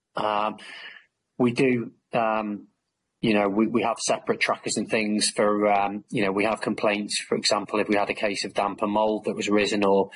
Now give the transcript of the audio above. erm, we do erm, you know we we have separate trackers and things for our erm- you know we have complaints, for example if we had a case of damp and mould that was risen or